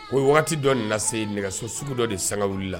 O ye waati dɔ de nana se nɛgɛso sugu dɔ de saga wulila